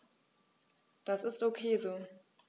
Das ist ok so.